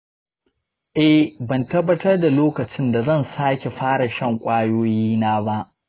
eh, ban tabbatar da lokacin da zan sake fara shan kwayoyina ba.